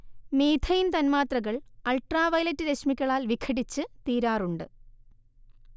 methane തന്മാത്രകൾ ultraviolet രശ്മികളാൽ വിഘടിച്ച് തീരാറുണ്ട്